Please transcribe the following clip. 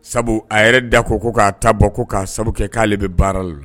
Sabu a yɛrɛ da ko ko k'a ta bɔ ko k'a sababu kɛ k'ale bɛ baara la